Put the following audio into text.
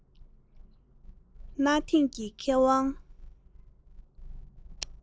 གནའ དེང གི མཁས དབང